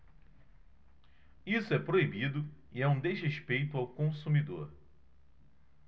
isso é proibido e é um desrespeito ao consumidor